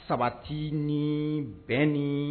Sabati ni bɛ ni